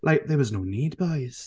Like, there was no need boys.